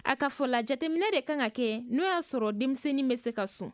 a ka fɔ la jateminɛ de ka kan ka kɛ n'a y'a sɔrɔ denmisɛn in bɛ se ka sun